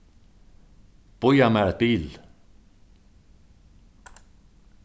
bíða mær eitt bil